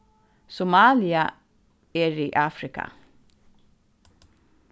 somalia eri afrika